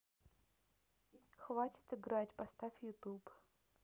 хватит играть поставь ютуб